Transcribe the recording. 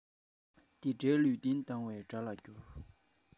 མི ལུས ཡིན ཡང རྒྱ མཚོའི གཏིང ལ བསྐྱུར